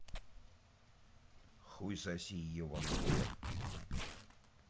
хуй соси ебаный сбер